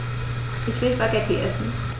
Ich will Spaghetti essen.